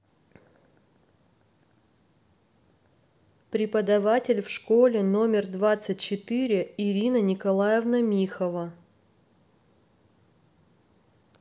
преподаватель в школе номер двадцать четыре ирина николаевна михова